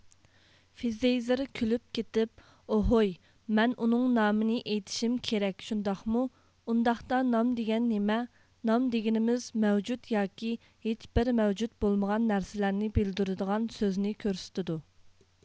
فىزېيزېر كۈلۈپ كېتىپ ئوھۇي مەن ئۇنىڭ نامىنى ئېيتىشىم كېرەك شۇنداقمۇ ئۇنداقتا نام دېگەن نېمە نام دېگىنىمىز مەۋجۇت ياكى ھىچبىر مەۋجۇت بولمىغان نەرسىلەرنى بىلدۈرىدىغان سۆزنى كۆرسىتىدۇ